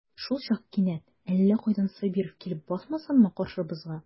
Шулчак кинәт әллә кайдан Сабиров килеп басмасынмы каршыбызга.